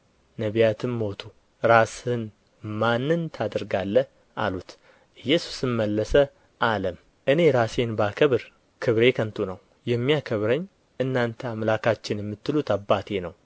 ነቢያትም ሞቱ ራስህን ማንን ታደርጋለህ አሉት ኢየሱስም መለሰ አለም እኔ ራሴን ባከብር ክብሬ ከንቱ ነው የሚያከብረኝ እናንተ አምላካችን የምትሉት አባቴ ነው